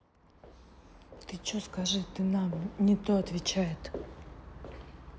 ты че скажи ты нам не то отвечает